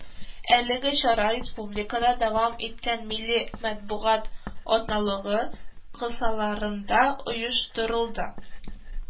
Әлеге чара республикада дәвам иткән Милли матбугат атналыгы кысаларында оештырылды